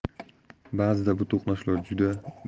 ba'zida bu to'qnashuvlar juda